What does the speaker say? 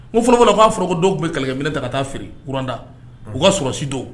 Ko fɔlɔfɔlɔ k'a fɔrakɔ dɔw tun bɛ kɛlɛkɛ minɛ ta ka taa feere kuranda u ka sɔrɔ si don